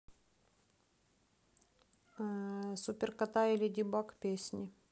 супер кота и леди баг песни